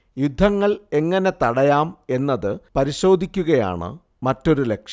യുദ്ധങ്ങൾ എങ്ങനെ തടയാം എന്നത് പരിശോധിക്കുകയാണ് മറ്റൊരു ലക്ഷ്യം